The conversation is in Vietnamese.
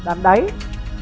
đàn đáy